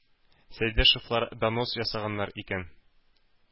Сәйдәшевләр донос ясаганнар икән,